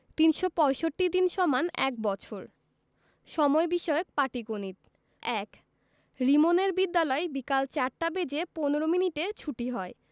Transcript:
৩৬৫ দিন = ১বছর সময় বিষয়ক পাটিগনিতঃ ১ রিমনের বিদ্যালয় বিকাল ৪ টা বেজে ১৫ মিনিটে ছুটি হয়